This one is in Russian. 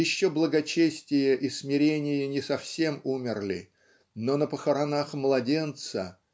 Еще благочестие и смирение не совсем умерли, но на похоронах младенца